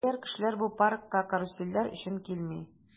Хәер, кешеләр бу паркка карусельләр өчен килми.